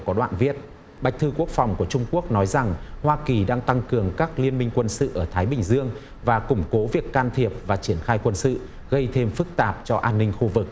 có đoạn viết bạch thư quốc phòng của trung quốc nói rằng hoa kỳ đang tăng cường các liên minh quân sự ở thái bình dương và củng cố việc can thiệp và triển khai quân sự gây thêm phức tạp cho an ninh khu vực